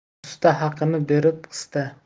usta haqini berib qista